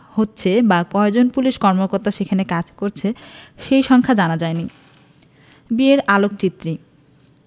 হচ্ছে বা কয়জন পুলিশ কর্মকর্তা সেখানে কাজ করছেন সেই সংখ্যা জানা যায়নি বিয়ের আলোকচিত্রী